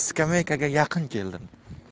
skameykaga yaqin keldim